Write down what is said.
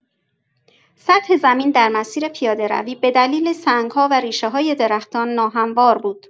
سطح زمین در مسیر پیاده‌روی به دلیل سنگ‌ها و ریشه‌های درختان ناهموار بود.